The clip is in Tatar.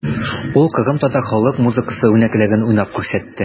Ул кырымтатар халык музыкасы үрнәкләрен уйнап күрсәтте.